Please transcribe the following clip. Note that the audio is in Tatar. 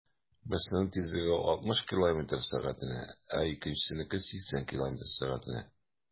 Берсенең тизлеге 60 км/сәг, ә икенчесенеке - 80 км/сәг.